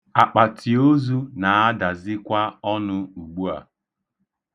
Akpatiozu na-adazikwa ọnụ ugbua.